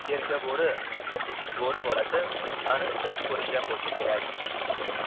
serka bo'ri va uch bo'ri bolasi aniq tiniq ko'ringan bolsa kerak